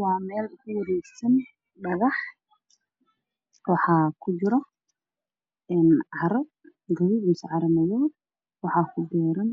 Waa meel kuwareegsan dhagax waxaa kujiro carro gaduudan waxaa kubeeran